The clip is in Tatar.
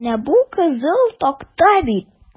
Менә бу кызыл такта бит?